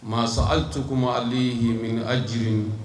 Masa ali to kuma ali ye ali jiri